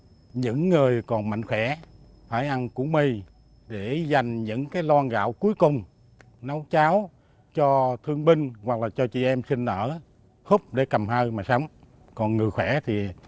những người còn mạnh khỏe phải ăn củ mì để dành những cái lon gạo cuối cùng nấu cháo cho thương binh hoặc là cho chị em sinh nở húp để cầm hơi mà sống con người khỏe thì